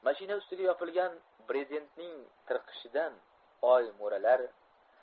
mashina ustiga yopilgan brezentning tirqishidan oy mo'ralar